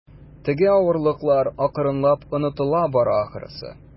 Теге авырлыклар акрынлап онытыла бара, ахрысы.